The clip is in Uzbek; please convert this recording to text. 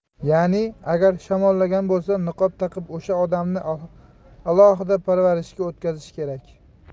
ya'ni agar shamollagan bo'lsa niqob taqib o'sha odamni alohida parvarishga o'tkazish kerak